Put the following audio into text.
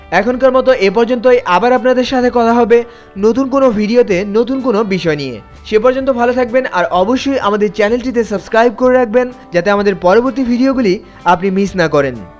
এখনকার মত এখানেই আবার আপনাদের সাথে কথা হবে নতুন কোন ভিডিও তে নতুন কোন বিষয় নিয়ে সে পর্যন্ত ভালো থাকবেন আর অবশ্যই আমাদের চ্যানেলটিকে সাবস্ক্রাইব করে রাখবেন যাতে আমাদের পরবর্তী ভিডিও গুলি আপনি মিস না করেন